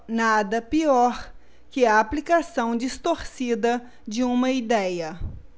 nada pior que a aplicação distorcida de uma idéia